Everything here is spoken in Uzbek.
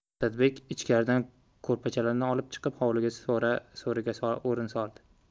asadbek ichkaridan ko'rpachalar olib chiqib hovlidagi so'riga o'rin soldi